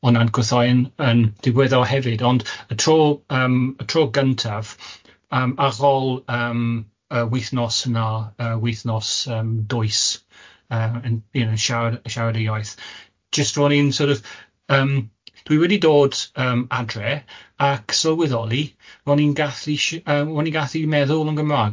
o Nan Gwthaeyn yn yn ddigwyddol hefyd ond y tro yym y tro gyntaf yym ar ôl yym yy wythnos na yy wythnos yym dwys yy yn you know siarad yy siarad y iaith, jyst ro'n i'n sort of yym dwi wedi dod yym adre ac sylweddoli ro'n i'n gallu sh- yy ro'n i'n gallu meddwl yn Gymrag.